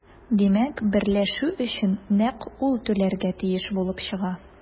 Димәк, берләшү өчен нәкъ ул түләргә тиеш булып чыга.